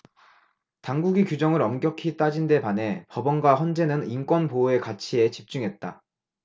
당국이 규정을 엄격히 따진 데 반해 법원과 헌재는 인권보호의 가치에 집중했다